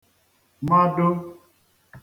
mado